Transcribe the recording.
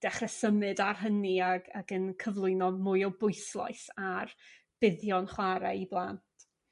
dechre symud ar hynny ag ag yn cyflwyno mwy o bwyslais ar buddion chwar'e i blant.